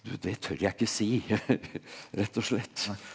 du det tør jeg ikke si rett og slett.